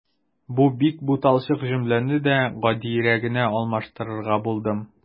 Бу бик буталчык җөмләне дә гадиерәгенә алмаштырырга булдым.